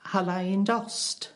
hala 'i'n dost.